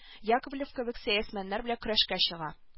Яковлев кебек сәясмәннәр белән көрәшкә чыга